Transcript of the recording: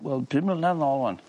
wel bum mlynadd nôl ŵan.